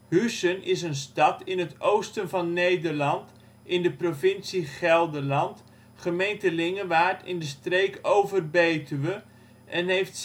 Huussen) is een stad in het oosten van Nederland, in de provincie Gelderland (gemeente Lingewaard, in de streek Over-Betuwe) en heeft